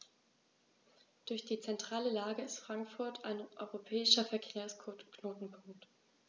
Durch die zentrale Lage ist Frankfurt ein europäischer Verkehrsknotenpunkt.